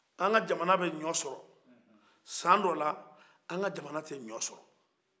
an ka jamana bɛ ɲɔ sɔrɔ san dɔw la an ka jamana tɛ ɲɔ sɔrɔ